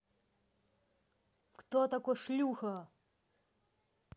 кто такой шлюха